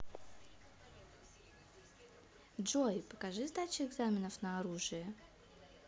джой покажи сдача экзаменов на оружие